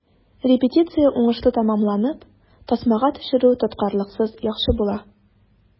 Репетиция уңышлы тәмамланып, тасмага төшерү тоткарлыксыз яхшы була.